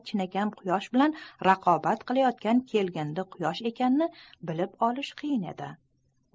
chinakam quyosh bilan raqobat qilayotgan kelgindi quyosh ekanini bilib olish qiyin edi